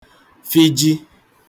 fịji